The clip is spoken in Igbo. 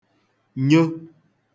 nyo